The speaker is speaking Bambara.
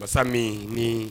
Masa min ni